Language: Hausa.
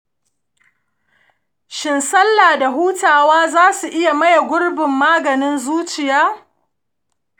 shin, sallah da hutawa za su iya maye gurbin maganin zuciya?